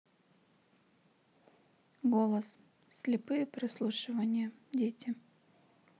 голос слепые прослушивания дети